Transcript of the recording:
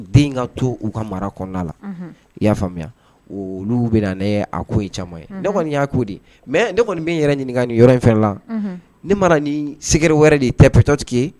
Den to ka i y'a faamuya olu bɛ ko ye caman ye ne kɔni y'a ko mɛ ne kɔni bɛ yɛrɛ ɲini nin yɔrɔ in fɛn la ne mara ni sigiyɔrɔ wɛrɛ de ye tɛ preptigi ye